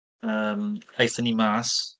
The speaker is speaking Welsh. Yym, aethon ni mas.